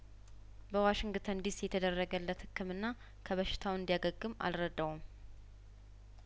በዋሽንግተን ዲሲ የተደረገለት ህክምና ከበሽታው እንዲያገግም አልረዳውም